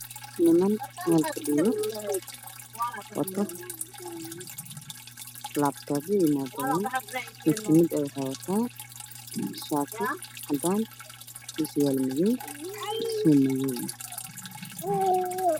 Niman meel fadhiyo wato laab toobyo mid kasto wuxuu wataa surwaal madow iyo kabo madow ah